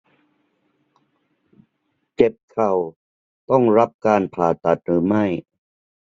เจ็บเข่าต้องรับการผ่าตัดหรือไม่